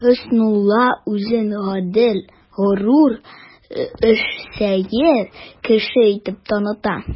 Хөснулла үзен гадел, горур, эшсөяр кеше итеп таныта.